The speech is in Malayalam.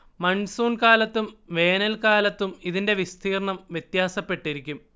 മൺസൂൺ കാലത്തും വേനൽക്കാലത്തും ഇതിന്റെ വിസ്തീർണ്ണം വ്യത്യാസപ്പെട്ടിരിക്കും